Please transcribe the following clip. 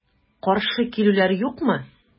Каршы килүләр юкмы?